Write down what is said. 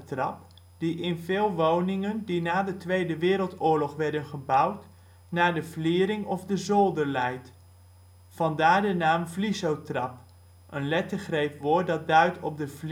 trap die in veel woningen die na de Tweede Wereldoorlog werden gebouwd naar de vliering of de zolder leidt. Vandaar de naam vlizotrap (een lettergreepwoord dat duidt op de vliering/zolder-trap